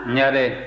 ɲare